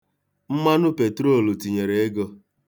Mmanụ petrol tinyere ego.